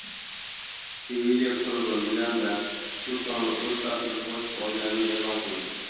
sevilya klubi milan dan susoni o'z safiga qo'shib olganini e'lon qildi